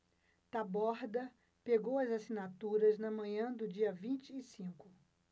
taborda pegou as assinaturas na manhã do dia vinte e cinco